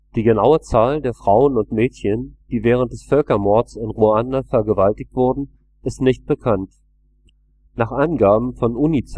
Die genaue Zahl der Frauen und Mädchen, die während des Völkermords in Ruanda vergewaltigt wurden, ist nicht bekannt. Nach Angaben von UNICEF